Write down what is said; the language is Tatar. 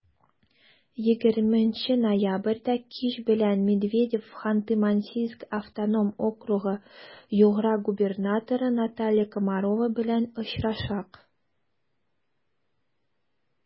20 ноябрьдә кич белән медведев ханты-мансийск автоном округы-югра губернаторы наталья комарова белән очрашачак.